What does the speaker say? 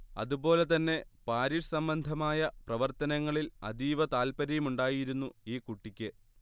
അതുപോലെ തന്നെ പാരിഷ് സംബന്ധമായ പ്രവർത്തനങ്ങളിൽ അതീവ താൽപര്യവുമുണ്ടായിരുന്നു ഈ കുട്ടിക്ക്